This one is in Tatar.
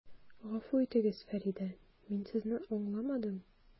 Гафу итегез, Фәридә, мин Сезне аңламадым.